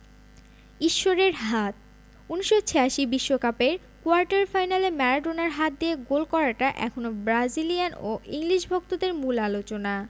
ঈশ্বরের হাত ১৯৮৬ বিশ্বকাপের কোয়ার্টার ফাইনালে ম্যারাডোনার হাত দিয়ে গোল করাটা এখনো ব্রাজিলিয়ান ও ইংলিশ ভক্তদের মূল আলোচনা